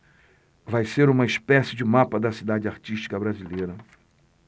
vai ser uma espécie de mapa da cidade artística brasileira